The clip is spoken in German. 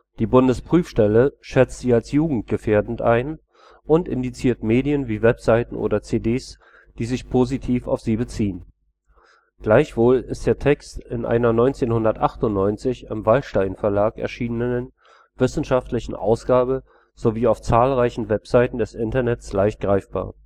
Die Bundesprüfstelle schätzt sie als jugendgefährdend ein und indiziert Medien wie Webseiten oder CDs, die sich positiv auf sie beziehen. Gleichwohl ist der Text in einer 1998 im Wallstein Verlag erschienenen wissenschaftlichen Ausgabe sowie auf zahlreichen Webseiten des Internets leicht greifbar